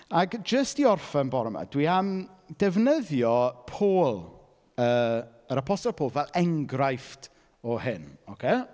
Ac jyst i orffen bore 'ma, dwi am defnyddio Paul yy yr Apostol Paul fel enghraifft o hyn ocê.